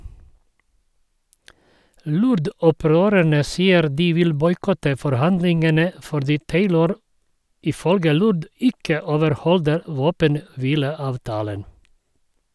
LURD-opprørerne sier de vil boikotte forhandlingene fordi Taylor ifølge LURD ikke overholder våpenhvileavtalen.